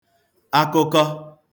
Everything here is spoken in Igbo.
akụkọ